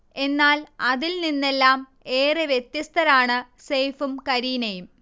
എന്നാൽ, അതിൽ നിന്നെല്ലാംഏറെ വ്യത്യസ്തരാണ് സെയ്ഫും കരീനയും